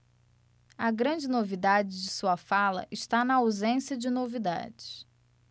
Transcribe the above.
a grande novidade de sua fala está na ausência de novidades